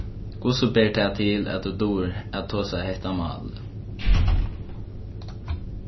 hvussu ber tað til at tú dugir at tosa hetta málið